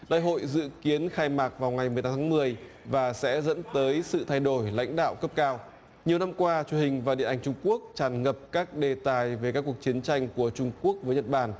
đại hội dự kiến khai mạc vào ngày mười tám tháng mười và sẽ dẫn tới sự thay đổi lãnh đạo cấp cao nhiều năm qua truyền hình và điện ảnh trung quốc tràn ngập các đề tài về các cuộc chiến tranh của trung quốc với nhật bản